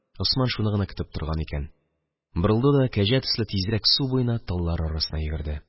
Госман шуны гына көтеп торган икән, борылды да, кәҗә төсле, тизрәк су буена, таллар арасына йөгерде,